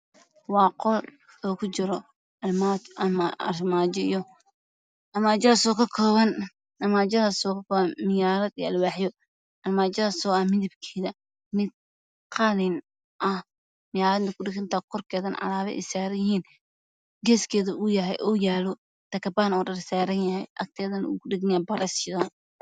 Waa qol waxaa kujiro armaajo oo ka kooban muraayad iyo alwaaxyo midabkeedu waa qalin ah muraayadna kudhagan tahay, korkeeda alaabo ay saaran yihiin geeskeeda waxaa yaalo katabaan dhar suran yahay iyo bareys.